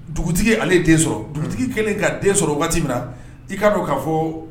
Dugutigi ale ye den sɔrɔ, dugutigi kɛlen ka den sɔrɔ waati min na i ka don k'a fɔ